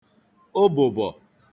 ụbụbọ